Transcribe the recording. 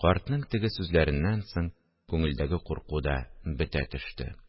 Картның теге сүзләреннән соң күңелдәге курку да бетә төште